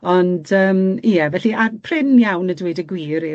Ond yym ie felly a prin iawn â dweud y gwir